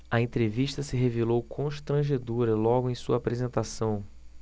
a entrevista se revelou constrangedora logo em sua apresentação